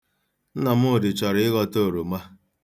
Nnamdị chọrọ ịghọta oroma.